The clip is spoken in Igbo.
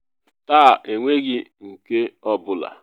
“Taa, enweghị nke ọ bụla.”